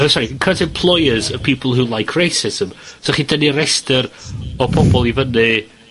Yy sori, current employers of people who like racism, so chi dynnu rester o pobol i fyny